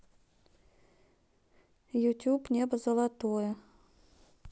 ютуб небо золотое